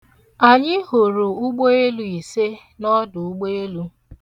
Anyị hụrụ ụgbeelu ise n'ọdụụgbeelụ.